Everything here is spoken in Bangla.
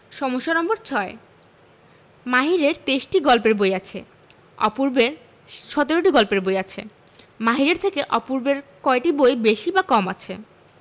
সমস্যা নম্বর ৬ মাহিরের ২৩টি গল্পের বই আছে অপূর্বের ১৭টি গল্পের বই আছে মাহিরের থেকে অপূর্বের কয়টি বই বেশি বা কম আছে